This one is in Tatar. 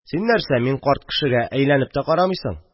Син нәрсә, мин карт кешегә әйләнеп тә карамыйсың?